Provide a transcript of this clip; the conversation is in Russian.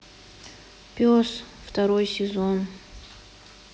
пес второй сезон